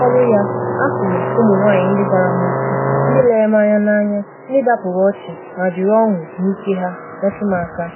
N’ọrụ ya, ahụrụ m ụmụnwaanyị ndị gwara m okwu, ndị lere m anya n’anya, ndị dapụrụ ọchị ma jiri ọṅụ na ike ha metụ m aka.